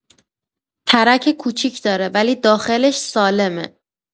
ترک کوچیک داره، ولی داخلش سالمه.